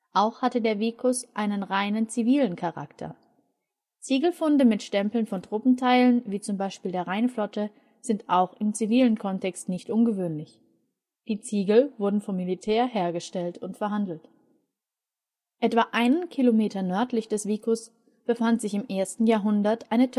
Auch hatte der vicus einen reinen zivilen Charakter. Ziegelfunde mit Stempeln von Truppenteilen, wie zum Beispiel der Rheinflotte sind auch im zivilen Kontext nicht ungewöhnlich. Die Ziegel wurden vom Militär hergestellt und verhandelt. Etwa einen Kilometer nördlich des vicus befand sich im 1. Jahrhundert eine Töpfersiedlung